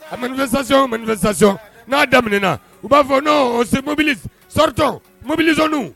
A man sacɔn man2 sayɔn n'a daminɛna u b'a fɔ se mobili sritɔ mobiliw